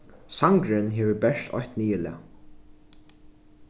sangurin hevur bert eitt niðurlag